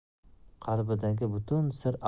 qalbidagi butun sir